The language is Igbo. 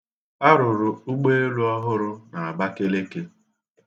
A rụrụ ugbeelu ọhụrụ n'Abakeleke.